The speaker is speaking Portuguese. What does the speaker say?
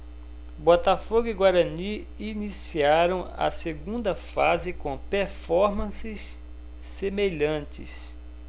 botafogo e guarani iniciaram a segunda fase com performances semelhantes